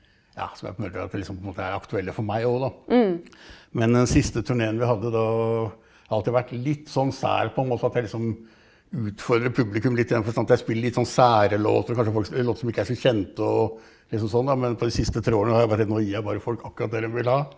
ja som er på en måte at det liksom på en måte er aktuelle for meg òg da, men den siste turneen vi hadde da har alltid vært litt sånn sær på om også at jeg liksom utfordrer publikum litt igjen for sant jeg spiller litt sånn sære låter, kanskje låter som ikke er så kjente og liksom sånn da, men på de siste tre årene har jeg bare nå gir jeg bare folk akkurat det de vil ha.